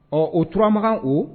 Ɔ o turama o